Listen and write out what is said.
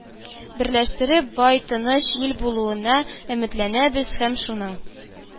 Берләштереп, бай, тыныч ил булуына өметләнәбез, һәм шуның